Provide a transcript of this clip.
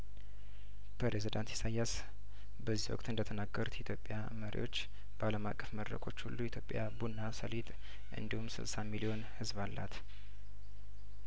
ፕሬዝዳንት ኢሳያስ በዚሁ ወቅት እንደተናገሩት ኢትዮጵያ መሪዎች በአለም አቀፍ መድረኮች ሁሉ ኢትዮጵያ ቡና ሰሊጥ እንዲሁም ስልሳ ሚሊዮን ህዝብ አላት